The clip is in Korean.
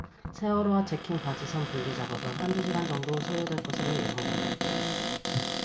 세월호와 잭킹 바지선 분리 작업은 한 두 시간 정도 소요될 것으로 예상된다